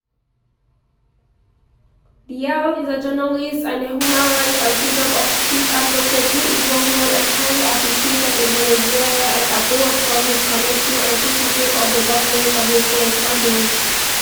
Díaz is a journalist and a human rights and freedom of speech advocate who is well known and highly appreciated in Venezuela and abroad for his commentary and criticism of the government of Nicolas Maduro.